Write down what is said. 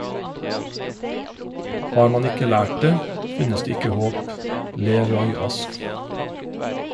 Har man ikke lært det , finnes det ikke håp , ler Roy Ask.